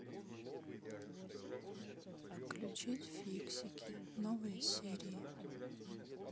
включить фиксики новые серии